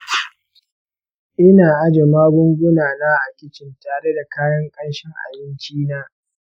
ina ajiye magunguna na a kitchen tare da kayan ƙanshin abinci na.